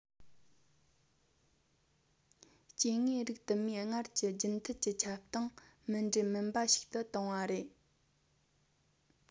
སྐྱེ དངོས རིགས དུ མའི སྔར གྱི རྒྱུན མཐུད ཀྱི ཁྱབ སྟངས མུ འབྲེལ མིན པ ཞིག ཏུ བཏང བ རེད